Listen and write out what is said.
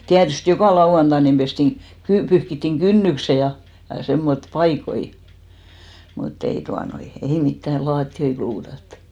tietysti joka lauantai niin pestiin - pyyhittiin kynnykset ja ja semmoisia paikkoja mutta ei tuota noin ei mitään lattioita kluutattu